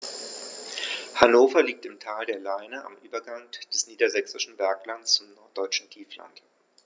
Hannover liegt im Tal der Leine am Übergang des Niedersächsischen Berglands zum Norddeutschen Tiefland.